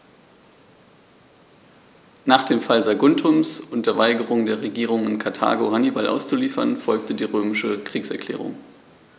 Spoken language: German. Nach dem Fall Saguntums und der Weigerung der Regierung in Karthago, Hannibal auszuliefern, folgte die römische Kriegserklärung.